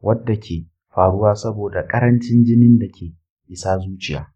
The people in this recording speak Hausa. wadda ke faruwa saboda ƙarancin jinin da ke isa zuciya.